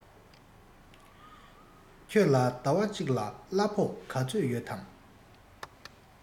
ཁྱོད ལ ཟླ བ གཅིག ལ གླ ཕོགས ག ཚོད ཡོད དམ